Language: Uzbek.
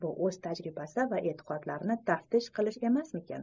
bu o'z tajribasi va e'tiqodlarini taftish qilish emasmikin